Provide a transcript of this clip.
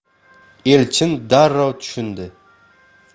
elchin darrov tushundi